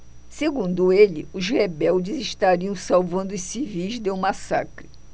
segundo ele os rebeldes estariam salvando os civis de um massacre